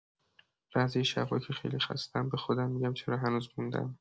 بعضی شب‌ها که خیلی خسته‌ام، به خودم می‌گم چرا هنوز موندم؟